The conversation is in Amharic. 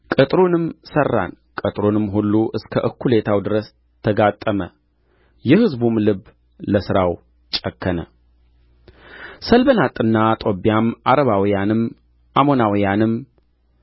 ቅጥሩንም ሠራን ቅጥሩም ሁሉ እስከ እኵሌታው ድረስ ተጋጠመ የሕዝቡም ልብ ለሥራው ጨከነ ሰንባላጥና ጦብያም ዓረባውያንም አሞናውያንም